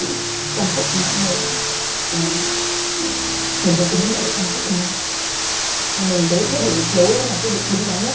cảm xúc mọi người nữa và mình phải sống vào cái cảm xúc của mình nhưng mình thấy quyết định giấu đấy là quyết định đúng đắn nhất